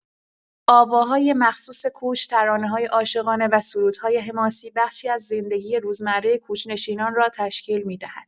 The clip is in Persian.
آواهای مخصوص کوچ، ترانه‌های عاشقانه و سرودهای حماسی بخشی از زندگی روزمره کوچ‌نشینان را تشکیل می‌دهد.